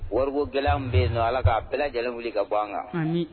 Wɔrikogɛlɛya min be yennɔ Ala k'a bɛɛ lajɛlen wili ka bɔ an kan amii